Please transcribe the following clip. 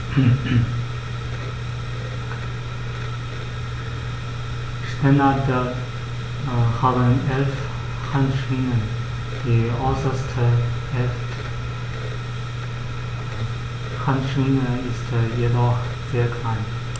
Steinadler haben 11 Handschwingen, die äußerste (11.) Handschwinge ist jedoch sehr klein.